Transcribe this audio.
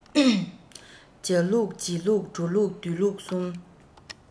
བྱ ལུགས བྱེད ལུགས འགྲོ ལུགས སྡོད ལུགས གསུམ